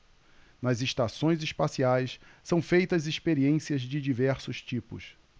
nas estações espaciais são feitas experiências de diversos tipos